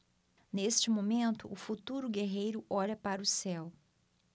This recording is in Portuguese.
neste momento o futuro guerreiro olha para o céu